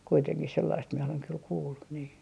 kuitenkin sellaista minä olen kyllä kuullut niin